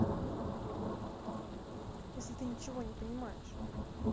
если ты ничего не понимаешь